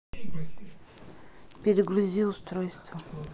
перегрузи устройство